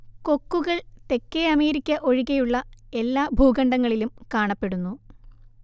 കൊക്കുകൾ തെക്കേ അമേരിക്ക ഒഴികെയുള്ള എല്ലാ ഭൂഖണ്ഡങ്ങളിലും കാണപ്പെടുന്നു